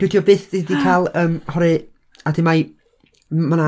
Dydi o byth di- di cael, yym, oherwy- a 'dyn ma'i, m- ma' 'na,